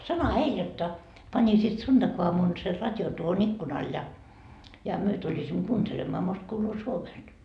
sanohan heille jotta panisivat sunnuntaiaamuna sen radion tuohon ikkunalle ja ja me tulisimme kuuntelemaan most kuuluu Suomesta